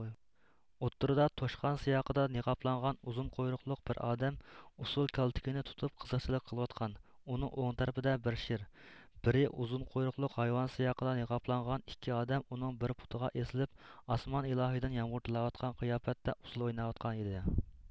ئوتتۇرىدا توشقان سىياقىدا نىقابلانغان ئۇزۇن قۇيرۇقلۇق بىر ئادەم ئۇسسۇل كالتىكىنى تۇتۇپ قىزقچىلىق قىلىۋاتقان ئۇنىڭ ئوڭ تەرىپىدە بىرى شىر بىرى ئۇزۇن قۇيرۇقلۇق ھايۋان سىياقىدا نىقابلانغان ئىككى ئادەم ئۇنىڭ بىر پۇتىغا ئېسىلىپ ئاسمان ئىلاھىدىن يامغۇر تىلەۋاتقان قىياپەتتە ئۇسسۇل ئويناۋاتقان ئىدى